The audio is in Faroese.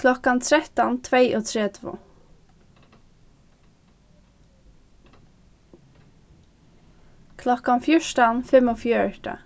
klokkan trettan tveyogtretivu klokkan fjúrtan fimmogfjøruti